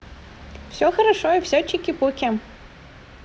все хорошо и все чики пуки